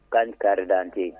K' kariridte